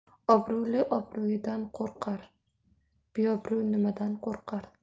obro'li obro'yidan qo'rqar beobro' nimadan qo'rqar